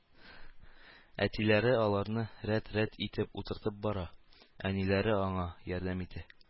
Әтиләре аларны рәт-рәт итеп утыртып бара, әниләре аңа ярдәм итә